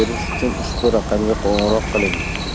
berish uchun ushbu raqamga qo'ng'iroq qiling